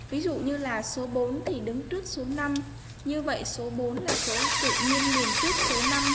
ví dụ như là số thì đứng trước số như vậy số là số tự nhiên liền trước số